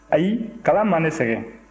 ayi kalan ma ne sɛgɛn